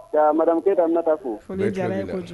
Marakɛ da bɛna taa fo